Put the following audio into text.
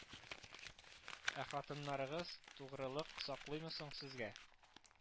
Ә хатыннарыгыз тугрылык саклыймы соң сезгә